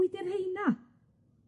Pwy 'di'r rheina?